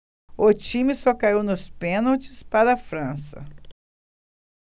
o time só caiu nos pênaltis para a frança